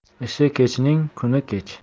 ishi kechning kuni kech